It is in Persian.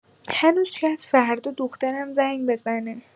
هنوز شاید فردا دخترم زنگ بزنه.